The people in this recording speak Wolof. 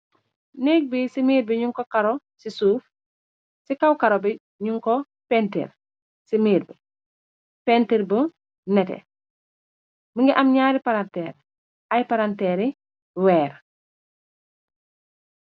nekk bi ci miir bi ñu ko karo ci suuf ci kaw-karo bi ñu ko pentir ci miir bi pentir bu nete bi ngi am ñaari paranteer ay paranteeri weer